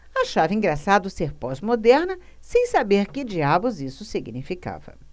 achava engraçado ser pós-moderna sem saber que diabos isso significava